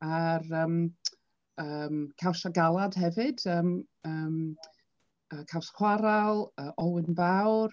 A'r yym yym cawsiau galed hefyd yym yym yy Caws Chwarel, Olwyn Fawr.